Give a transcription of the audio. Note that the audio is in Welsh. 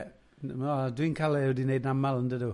O dwi'n cael e wedi wneud yn aml yndydw?